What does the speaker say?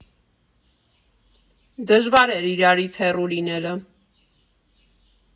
Դժվար էր իրարից հեռու լինելը.